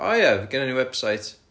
o ia gynnon ni website